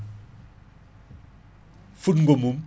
* fungo mum